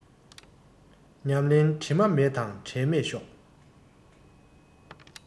ཉམས ལེན དྲི མ མེད དང འབྲལ མེད ཤོག